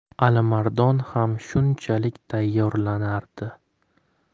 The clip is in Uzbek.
alimardon ham shunchalik tayyorlanardi